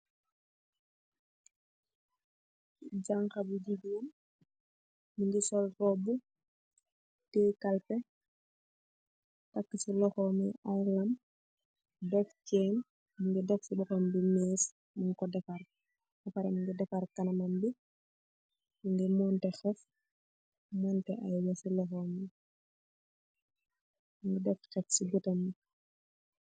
janha bu jigeen bu sol robah teh tiyeh calpeh, sol takayuu jigeen.